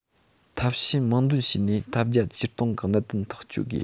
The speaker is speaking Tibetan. ཐབས ཤེས མང འདོན བྱས ནས ཐབས བརྒྱ ཇུས སྟོང གིས གནད དོན ཐག གཅོད དགོས